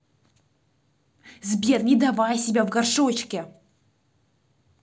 сбер не давай себя в горшочке